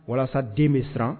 Walasa den be siran